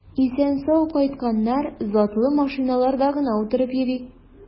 Исән-сау кайтканнар затлы машиналарда гына утырып йөри.